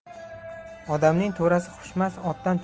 odamning to'rasi xushmas otdan